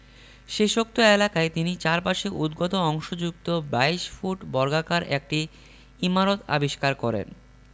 শেষোক্ত এলাকায় তিনি চারপাশে উদ্গত অংশযুক্ত ২২ ফুট বর্গাকার একটি ইমারত আবিষ্কার করেন